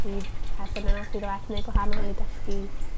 i'r person yna sydd o ethnig gwahanol yn ei dysgu